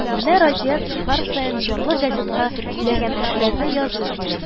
Менә Разия цехлар саен җанлы газетка теләгән кешеләрне язып йөри